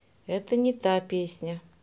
это не та песня